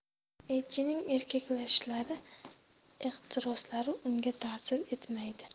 elchinning erkalashlari ehtiroslari unga ta'sir etmaydi